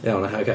Iawn oce.